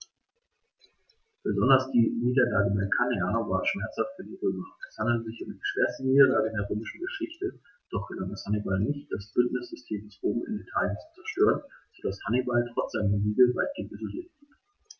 Besonders die Niederlage bei Cannae war schmerzhaft für die Römer: Es handelte sich um die schwerste Niederlage in der römischen Geschichte, doch gelang es Hannibal nicht, das Bündnissystem Roms in Italien zu zerstören, sodass Hannibal trotz seiner Siege weitgehend isoliert blieb.